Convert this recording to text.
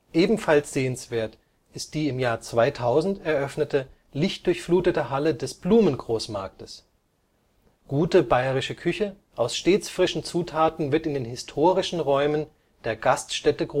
Ebenfalls sehenswert ist die im Jahr 2000 eröffnete lichtdurchflutete Halle des Blumengroßmarktes. Gute bayerische Küche aus stets frischen Zutaten wird in den historischen Räumen der Gaststätte